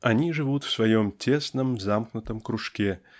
Они живут в своем тесном замкнутом кружке